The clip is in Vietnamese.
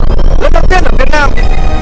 lần đầu tiên ở việt nam